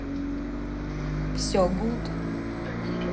все гуд